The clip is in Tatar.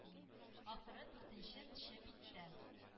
Ахыры дүртенче энче биттә.